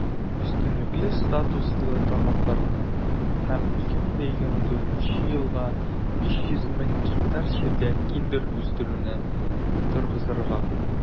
Өстенлекле статуслы тармакларны һәм 2024 елга 500 мең гектар җирдә киндер үстерүне торгызырга.